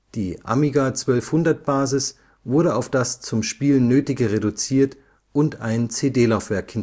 Die Amiga-1200-Basis wurde auf das zum Spielen Nötige reduziert und ein CD-Laufwerk